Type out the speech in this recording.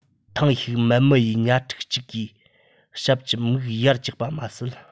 ཐེངས ཤིག མལ མུ ཡིས ཉ ཕྲུག གཅིག གིས ཞབས ཀྱི མིག ཡར བཀྱག པ མ ཟད